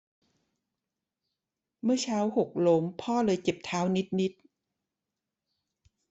เมื่อเช้าหกล้มพ่อเลยเจ็บเท้านิดนิด